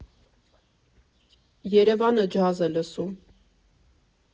Երևանը ջազ է լսում։